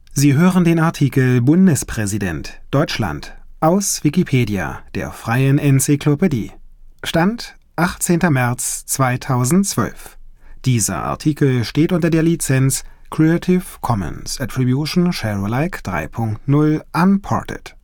Sie hören den Artikel Bundespräsident (Deutschland), aus Wikipedia, der freien Enzyklopädie. Mit dem Stand vom Der Inhalt steht unter der Lizenz Creative Commons Attribution Share Alike 3 Punkt 0 Unported